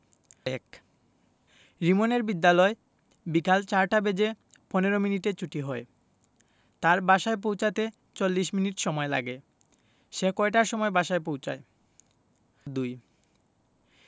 ১ রিমনের বিদ্যালয় বিকাল ৪ টা বেজে ১৫ মিনিটে ছুটি হয় তার বাসায় পৌছাতে ৪০ মিনিট সময়লাগে সে কয়টার সময় বাসায় পৌছায় ২